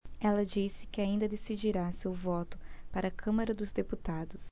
ela disse que ainda decidirá seu voto para a câmara dos deputados